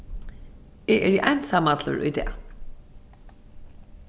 eg eri einsamallur í dag